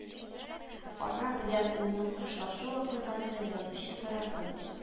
Ана белән улның хушлашу вакыйгасы язучы тарафын